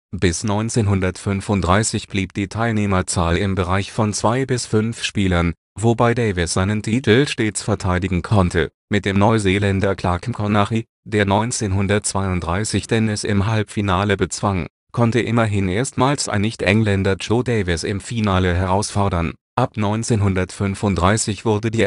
Bis 1935 blieb die Teilnehmerzahl im Bereich von zwei bis fünf Spielern, wobei Davis seinen Titel stets verteidigen konnte. Mit dem Neuseeländer Clark McConachy, der 1932 Dennis im Halbfinale bezwang, konnte immerhin erstmals ein Nicht-Engländer Joe Davis im Finale herausfordern. Ab 1935 wurde die